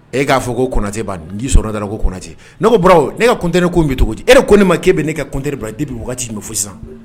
E k'a fɔ konatɛ ji sɔrɔ da ko kɔnnatɛ ne ko ne ka kote ko bɛ cogo di e ko ne ma ee bɛ ne ka kokuntɛe bila e bɛ waati min fo sisan